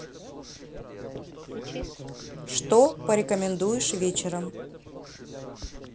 что порекомендуешь вечером